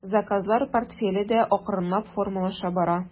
Заказлар портфеле дә акрынлап формалаша бара.